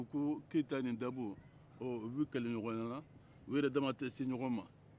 u ko keyita ni dabɔ ɔ u be kɛlɛɲɔgɔnyara mɛ u yɛrɛ dama tɛ se ɲɔgɔn ma